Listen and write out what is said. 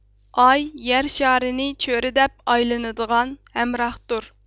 ئاي يەرشارىنى چۆرىدەپ ئايلىنىدىغان ھەمراھدۇر